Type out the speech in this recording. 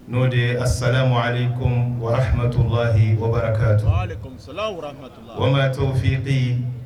N'o de ye a sa ma hali ko tuyi wabara ka to manatɔ fiye bɛyi